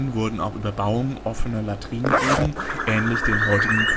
wurden auch Überbauungen offener Latrinengruben ähnlich den heutigen